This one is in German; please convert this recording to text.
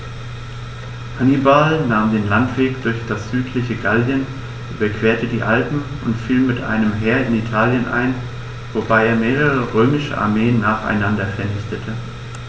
Hannibal nahm den Landweg durch das südliche Gallien, überquerte die Alpen und fiel mit einem Heer in Italien ein, wobei er mehrere römische Armeen nacheinander vernichtete.